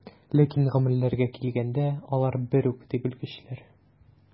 Ләкин гамәлләргә килгәндә, алар бер үк, ди белгечләр.